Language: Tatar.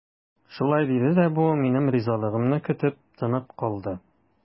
Шулай диде дә бу, минем ризалыгымны көтеп, тынып калды.